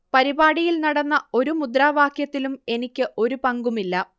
പരിപാടിയിൽ നടന്ന ഒരു മുദ്രാവാക്യത്തിലും എനിക്ക് ഒരു പങ്കുമില്ല